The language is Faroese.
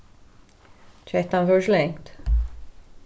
kettan fór ikki langt